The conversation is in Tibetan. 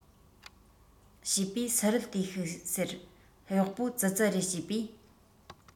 བྱས པས སུ རེད ལྟོས ཤོག ཟེར གཡོག པོ ཙི ཙི རེད བྱས པས